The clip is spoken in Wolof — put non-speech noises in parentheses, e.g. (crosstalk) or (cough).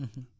(hesitation) (hesitation)